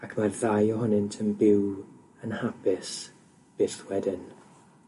ac mae'r ddau ohonynt yn byw yn hapus byth wedyn.